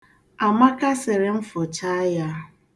A chọrọ ịfụcha osikapa a.